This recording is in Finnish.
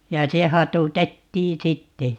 ja se hatutettiin sitten